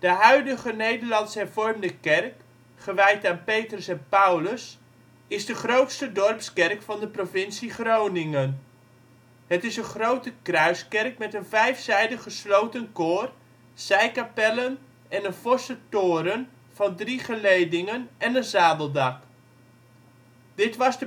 huidige Nederlands-hervormde kerk, gewijd aan Petrus en Paulus, is de grootste dorpskerk van de provincie Groningen. Het is een grote kruiskerk met een vijfzijdig gesloten koor, zijkappellen en een forse toren van drie geledingen en een zadeldak. Dit was